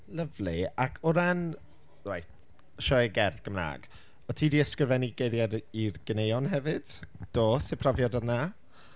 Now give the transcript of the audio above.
Lyfli. Ac o ran, reit, sioe gerdd Gymraeg. O't ti 'di ysgrifennu geiriau r- i’r ganeuon hefyd? Do, sut profiad oedd 'na?